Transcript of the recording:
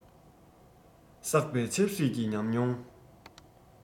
བསགས པའི ཆབ སྲིད ཀྱི ཉམས མྱོང